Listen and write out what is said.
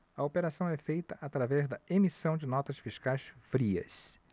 a operação é feita através da emissão de notas fiscais frias